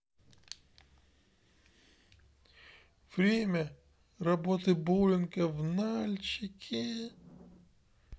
время работы боулинга в нальчике